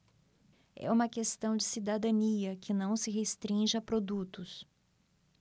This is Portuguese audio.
é uma questão de cidadania que não se restringe a produtos